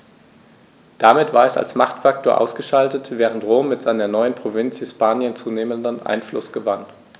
Damit war es als Machtfaktor ausgeschaltet, während Rom mit seiner neuen Provinz Hispanien zunehmend an Einfluss gewann.